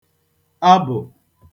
abụ̀